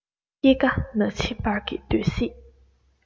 སྐྱེ རྒ ན འཆི བར གྱི འདོད སྲེད